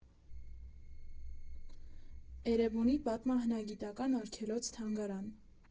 «Էրեբունի» պատմահնագիտական արգելոց֊թանգարան։